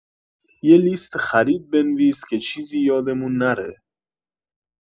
یه لیست خرید بنویس که چیزی یادمون نره